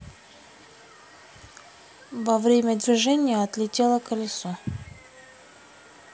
во время движения отлетело колесо